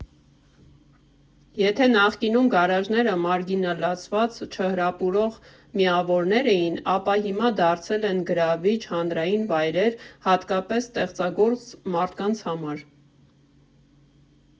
Եթե նախկինում գարաժները մարգինալացված, չհրապուրող միավորներ էին, ապա հիմա դարձել են գրավիչ հանրային վայրեր, հատկապես ստեղծագործ մարդկանց համար։